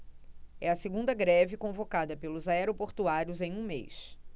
é a segunda greve convocada pelos aeroportuários em um mês